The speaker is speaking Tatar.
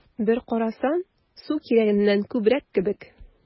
Бер карасаң, су кирәгеннән күбрәк кебек: